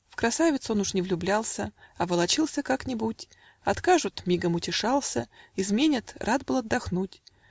В красавиц он уж не влюблялся, А волочился как-нибудь Откажут - мигом утешался Изменят - рад был отдохнуть.